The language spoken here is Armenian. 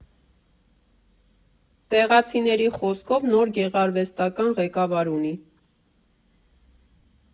Տեղացիների խոսքով նոր գեղարվեստական ղեկավար ունի։